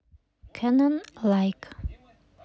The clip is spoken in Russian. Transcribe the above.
cannon lake